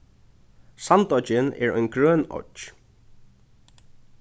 sandoyggin er ein grøn oyggj